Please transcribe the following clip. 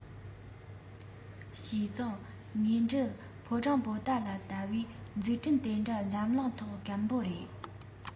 ཞུས ཙང དངོས འབྲེལ ཕོ བྲང པོ ཏ ལ ལྟ བུའི འཛུགས སྐྲུན དེ འདྲ འཛམ གླིང ཐོག དཀོན པོ རེད